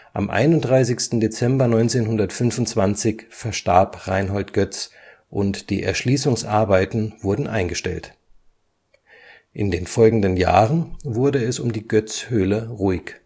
Am 31. Dezember 1925 verstarb Reinhold Goetz und die Erschließungsarbeiten wurden eingestellt. In den folgenden Jahren wurde es um die Goetz-Höhle ruhig